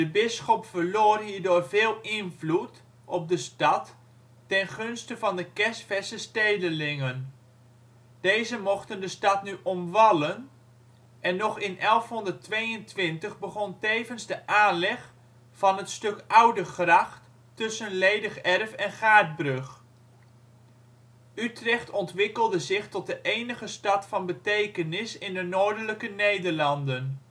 bisschop verloor hierdoor veel invloed op de stad ten gunste van de kersverse stedelingen. Deze mochten de stad nu omwallen, en nog in 1122 begon tevens de aanleg van het stuk Oudegracht tussen Ledig Erf en Gaardbrug. Utrecht ontwikkelde zich tot de enige stad van betekenis in de Noordelijke Nederlanden